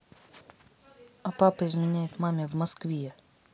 а папа изменяет маме в москве